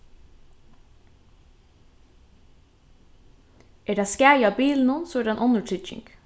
er tað skaði á bilinum so er tað ein onnur trygging